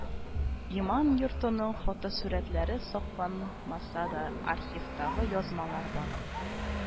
Иман йортының фотосурәтләре саклан маса да, архивтагы язмалар бар